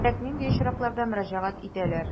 Күбрәк нинди очракларда мөрәҗәгать итәләр?